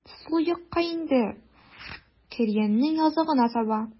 Сул якка инде, Коръәннең азагына таба.